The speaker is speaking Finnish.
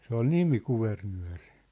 se oli nimi Kuvernööri